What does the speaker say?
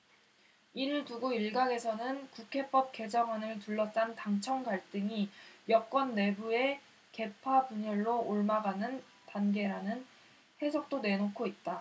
이를 두고 일각에서는 국회법 개정안을 둘러싼 당청 갈등이 여권 내부의 계파 분열로 옮아가는 단계라는 해석도 내놓고 있다